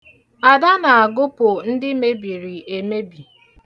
Ada na-agụpụ ndị mebiri emebi.